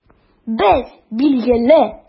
Без, билгеле!